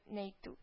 Нәйтү